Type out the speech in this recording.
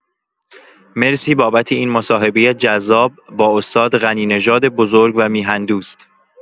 مرسی بابت این مصاحبۀ جذاب با استاد غنی‌نژاد بزرگ و میهن‌دوست